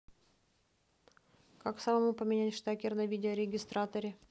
как самому поменять штекер на видеорегистраторе